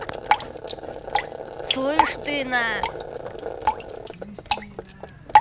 слышь ты на